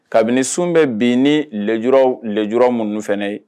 Kabiniun bɛ bi ni lajɛj lajɛj minnu fana ye